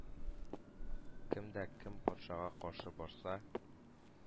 — кем дә кем патшага каршы барса,